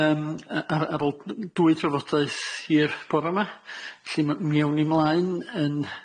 ys yym yy ar ar ôl dwy drafodaeth hir bora' yma, felly m- mewn i mlaen yn